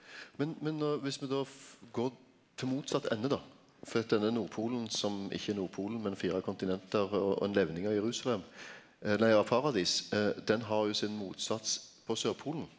men men nå viss me då går til motsett ende då fordi at denne Nordpolen som ikkje er Nordpolen men fire kontinent og og ein leivning av Jerusalem eller ja Paradis den har jo sin motsetnad på Sørpolen.